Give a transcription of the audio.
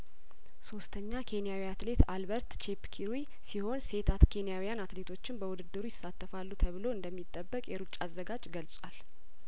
ሶስተኛ ኬንያዊ አትሌት አልበርት ቺፕ ኪሩይ ሲሆን ሴታት ኬንያዊያን አትሌቶችም በውድድሩ ይሳተፋሉ ተብሎ እንደሚጠበቅ የሩጫ አዘጋጅ ገልጿል